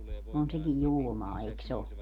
on sekin julmaa eikös ole